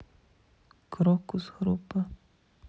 крокус группа